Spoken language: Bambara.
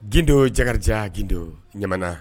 Gdo jaja gindo ɲa